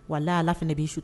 Wala ala fana b'i su